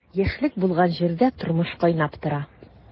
Яшьлек булган җирдә тормыш кайнап тора.